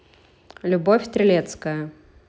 любовь трелецкая